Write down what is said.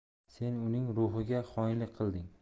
sen uning ruhiga xoinlik qilding